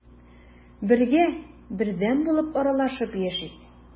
Бергә, бердәм булып аралашып яшик.